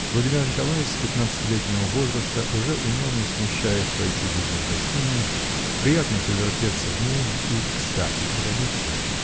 Владимир Николаич с пятнадцатилетнего возраста уже умел не смущаясь войти в любую гостиную, приятно повертеться в ней и кстати удалиться.